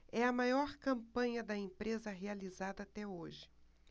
é a maior campanha da empresa realizada até hoje